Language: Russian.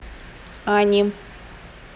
ани